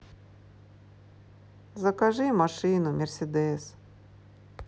закажи машину мерседес